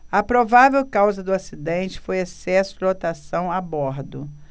a provável causa do acidente foi excesso de lotação a bordo